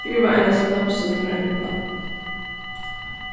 skriva eina synopsu til royndina